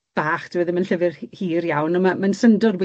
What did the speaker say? bach dyw e ddim yn llyfyr hi- hir iawn on' ma' mae'n syndod